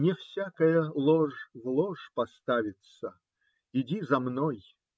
- Не всякая ложь в ложь поставится. Иди за мной.